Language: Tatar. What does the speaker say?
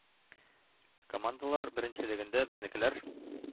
Командалар беренчелегендә безнекеләр,